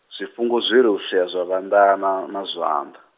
zwifhungu zwiri u sea zwa vhanda na, na zwanḓa.